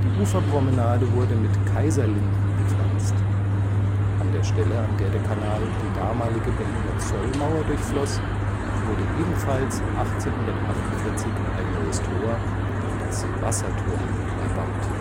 Uferpromenade wurde mit „ Kaiserlinden “bepflanzt. An der Stelle, an der der Kanal die damalige Berliner Zollmauer durchfloss, wurde ebenfalls 1848 ein neues Tor, das Wassertor, erbaut